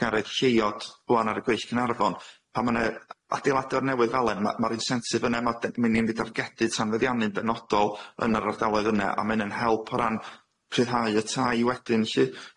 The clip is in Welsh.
Garedd Lleiod ŵan ar y gweill Caernarfon pan ma' ne' adeilade o'r newydd fele ma' ma'r insensif yne ma' de- myn i'n myn i dargedu tanfeddiannu'n benodol yn yr ardaloedd yne a ma' wnna'n help o ran rhyddhau y tai wedyn lly,